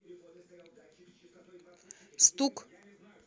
стук